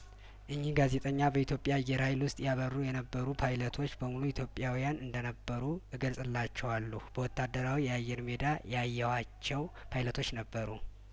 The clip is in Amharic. እኚህ ጋዜጠኛ በኢትዮጵያ አየር ሀይል ውስጥ ያበሩ የነበሩ ፓይለቶች በሙሉ ኢትዮጵያዊያን እንደነበሩ እገልጽላችኋለሁ በወታደራዊ የአየር ሜዳ ያየኋቸው ፓይለቶች ነበሩ